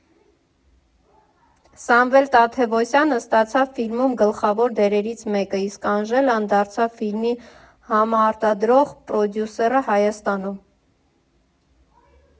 Սամվել Թադևոսյանը ստացավ ֆիլմում գլխավոր դերերից մեկը, իսկ Անժելան դարձավ ֆիլմի համարտադրող պրոդյուսերը Հայաստանում։